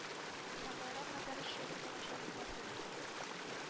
Исәнбайга кадәр очраса да начар булмас иде.